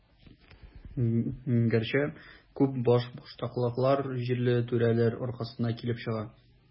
Гәрчә, күп башбаштаклыклар җирле түрәләр аркасында килеп чыга.